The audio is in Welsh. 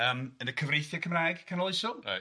Yym yn y cyfreithiau Cymraeg canol oesol. Reit.